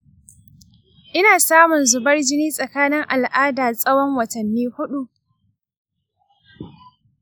ina samun zubar jini tsakanin al’ada tsawon watanni huɗu.